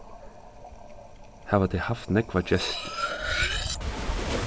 hava tey havt nógvar gestir